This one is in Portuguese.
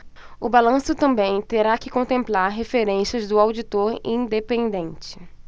o balanço também terá que contemplar referências do auditor independente